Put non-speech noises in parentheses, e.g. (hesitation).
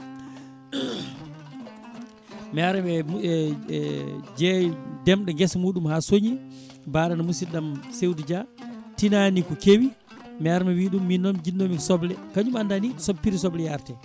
(clears throat) mi ara (hesitation) ndeemɗo guesa muɗum ha sooñi mbaɗo no musidɗam Sewdu Dia tinani ko keewi mi ara mi wiya ɗum min noon jinnomi ko soble kañum andani (hesitation) to prix soble yarate